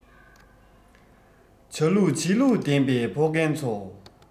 བྱ ལུགས བྱེད ལུགས ལྡན པའི ཕ རྒན ཚོ